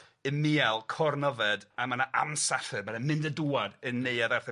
Ym mial, corn yfed, a ma' 'na amsathr, ma' 'na mynd a dŵad yn neuadd Arthur.